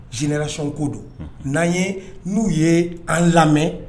J jinɛinɛra sɔnko don n'an ye n'u ye an lamɛn